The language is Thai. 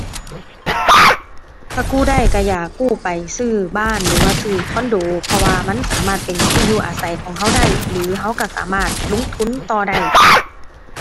ถ้ากู้ได้ก็อยากกู้ไปซื้อบ้านหรือว่าซื้อคอนโด เพราะว่ามันสามารถเป็นที่อยู่อาศัยของก็ได้ หรือก็ก็สามารถลงทุนต่อได้